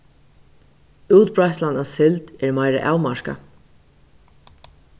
útbreiðslan av sild er meira avmarkað